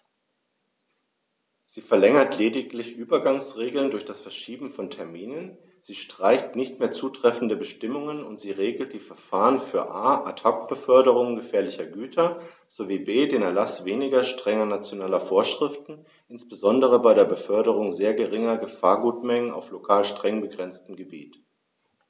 Sie verlängert lediglich Übergangsregeln durch das Verschieben von Terminen, sie streicht nicht mehr zutreffende Bestimmungen, und sie regelt die Verfahren für a) Ad hoc-Beförderungen gefährlicher Güter sowie b) den Erlaß weniger strenger nationaler Vorschriften, insbesondere bei der Beförderung sehr geringer Gefahrgutmengen auf lokal streng begrenzten Gebieten.